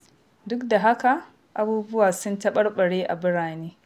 Duk da haka, abubuwa sun taɓarɓare a birane.